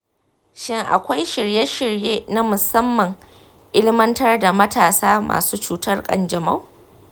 shin akwai shirye-shirye na musamman illimantar da matasa masu cutar kanjamau?